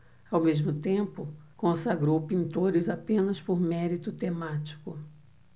ao mesmo tempo consagrou pintores apenas por mérito temático